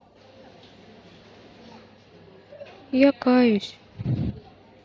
я каюсь